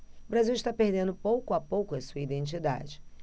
o brasil está perdendo pouco a pouco a sua identidade